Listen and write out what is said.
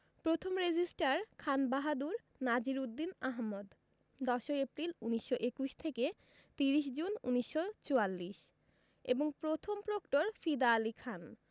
প্রথম registrar Khanbahadur Nazir Uddin Ahmad ১০ April ১৯২১ থেকে ৩০ June ১৯৪৪ এবং প্রথম প্রক্টর ফিদা আলী খান